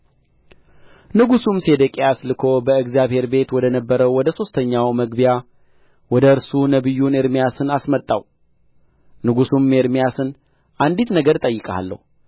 ንጉሡም ሴዴቅያስ ልኮ በእግዚአብሔር ቤት ወደ ነበረው ወደ ሦስተኛው መግቢያ ወደ እርሱ ነቢዩን ኤርምያስን አስመጣው ንጉሡም ኤርምያስን አንዲት ነገር እጠይቅሃለሁ